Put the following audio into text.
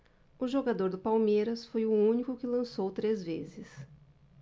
o jogador do palmeiras foi o único que lançou três vezes